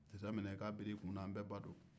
disa minɛ k'a biri i kunna an bɛɛ ba don